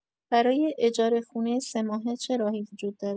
برای اجاره خونه سه‌ماهه چه راهی وجود داره؟